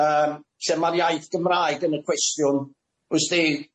yym lle ma'r iaith Gymraeg yn y cwestiwn wsdi?